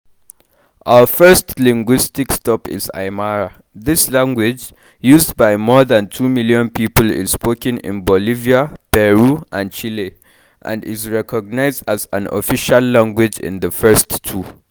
Our first linguistic stop is Aymara; this language, used by more than two million people is spoken in Bolivia, Peru and Chile and is recognized as an official language in the first two.